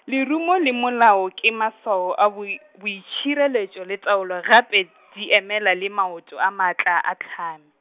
lerumo le molao ke maswao a boi-, boitšhireletšo le taolo gape , di emela le maoto a maatla a tlhame.